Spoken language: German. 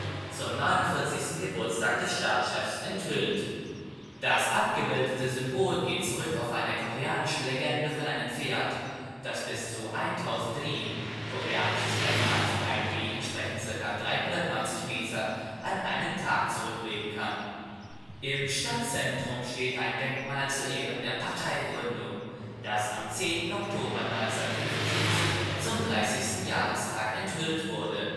zum 49. Geburtstag des Staatschefs enthüllt. Das abgebildete Symbol geht zurück auf eine koreanische Legende von einem Pferd, das bis zu 1.000 Ri (koreanisches Längenmaß, 1 Ri entsprechen ca. 390 m) an einem Tag zurücklegen kann. Im Stadtzentrum steht ein Denkmal zu Ehren der Parteigründung, das am 10. Oktober 1975 zum 30. Jahrestag enthüllt wurde